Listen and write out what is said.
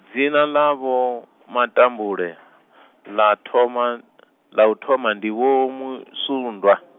dzina ḽa Vho Matambule, ḽa thoma, ḽa thoma ndi Vho Musundwa .